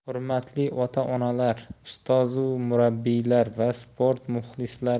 hurmatli ota onalar ustoz murabbiylar va sport muxlislari